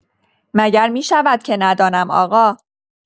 مگر می‌شود که ندانم آقا؟!